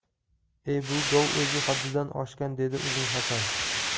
e bu gov o'zi haddidan oshgan dedi uzun hasan